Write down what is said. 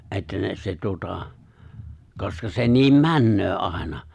että ne se tuota koska se niin menee aina